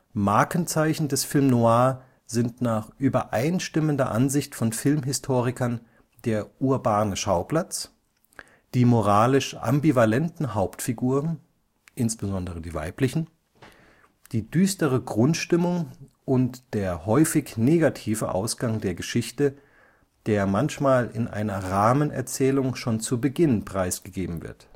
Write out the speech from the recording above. Markenzeichen des Film noir sind nach übereinstimmender Ansicht von Filmhistorikern der urbane Schauplatz, die moralisch ambivalenten Hauptfiguren (insbesondere die weiblichen), die düstere Grundstimmung und der häufig negative Ausgang der Geschichte, der manchmal in einer Rahmenerzählung schon zu Beginn preisgegeben wird